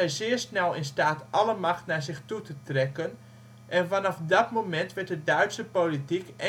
zeer snel in staat alle macht naar zich toe te trekken en vanaf dat moment werd de Duitse politiek